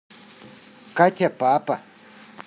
катя папа